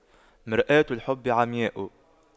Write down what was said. مرآة الحب عمياء